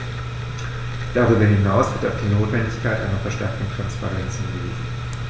Darüber hinaus wird auf die Notwendigkeit einer verstärkten Transparenz hingewiesen.